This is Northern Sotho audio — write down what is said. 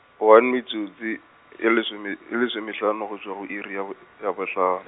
one metsotso, e lesome, e lesomehlano go tšwa go iri, ya bo-, ya bohla- .